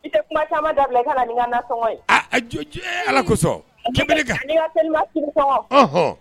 I tɛ kuma caaman dabila i ka na n'i ka sɔngɔ ye. A a jo jo ee Ala ko sɔn kan. A ni ka selimafini sɔngɔ. Ɔnhɔn!